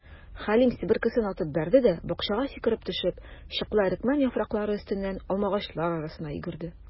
Хәлим, себеркесен атып бәрде дә, бакчага сикереп төшеп, чыклы әрекмән яфраклары өстеннән алмагачлар арасына йөгерде.